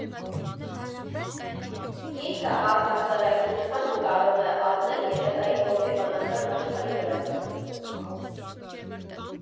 Գիրքը, առհասարակ, ինչքանո՞վ կարող է ազդել երեխայի հոգեբանական աշխարհի վրա։